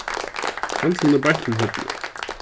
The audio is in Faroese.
handilin er beint um hornið